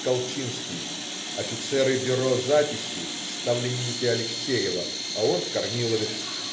Колчинский: офицеры бюро записи -ставленники Алексеева, а он - корниловец